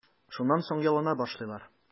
Шуннан соң ялына башлыйлар.